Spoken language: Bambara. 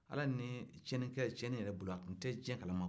ala nin tiɲɛ ni kɛ tiɲɛni yɛrɛ bolo a kun tɛ diɲɛ kalama